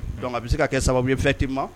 Don a bɛ se ka kɛ sababu ye fɛnti ma